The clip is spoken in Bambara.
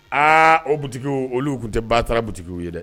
Aa o boutique olu tun tɛ batara boutique ye